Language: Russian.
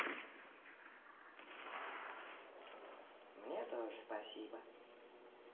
мне тоже спасибо